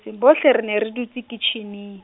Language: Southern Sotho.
se bohle re ne re dutse kitjhineng.